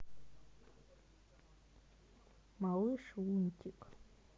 малыш лунтик